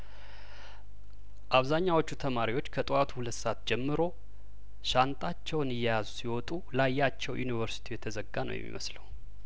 አብዛኛዎቹ ተማሪዎች ከጠዋቱ ሁለት ሰአት ጀምሮ ሻንጣቸውን እያይዙ ሲወጡላያቸው ዩኒቨርስቲው የተዘጋ ነው የሚመስለው